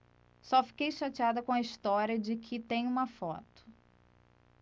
só fiquei chateada com a história de que tem uma foto